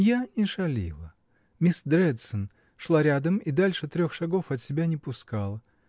— Я не шалила: мисс Дредсон шла рядом и дальше трех шагов от себя не пускала.